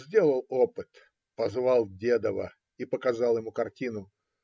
Сделал опыт: позвал Дедова и показал ему картину.